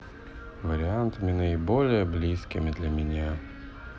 вариантами наиболее близкими для меня